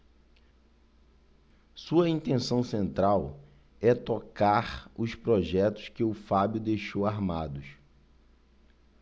sua intenção central é tocar os projetos que o fábio deixou armados